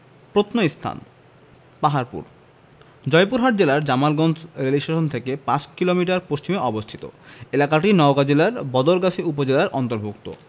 প্রত্নস্থানঃ পাহাড়পুর জয়পুরহাট জেলার জামালগঞ্জ রেলস্টেশন থেকে ৫ কিলোমিটার পশ্চিমে অবস্থিত এলাকাটি নওগাঁ জেলার বদলগাছি উপজেলার অন্তর্ভুক্ত